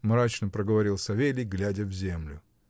— мрачно проговорил Савелий, глядя в землю.